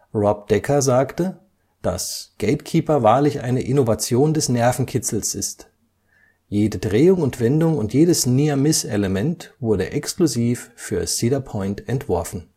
Rob Decker sagte, dass „ GateKeeper wahrlich eine Innovation des Nervenkitzels ist. Jede Drehung und Wendung und jedes Near-Miss-Element wurde exklusiv für Cedar Point entworfen